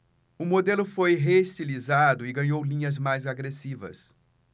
o modelo foi reestilizado e ganhou linhas mais agressivas